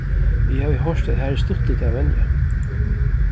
eg havi hoyrt at har er stuttligt at venja